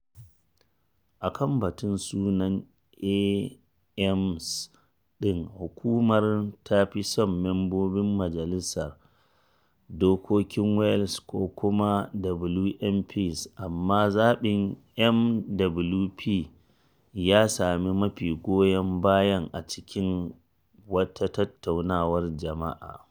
A kan batun sunan AMs ɗin, Hukumar ta fi son Mambobin Majalisar Dokokin Welsh ko WMPs, amma zaɓin MWP ya sami mafi goyon bayan a cikin wata tattaunawar jama’a.